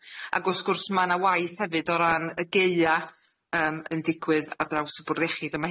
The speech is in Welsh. Ag wrth gwrs ma' 'na waith hefyd o ran y gaea yym yn digwydd ar draws y bwrdd iechyd a ma'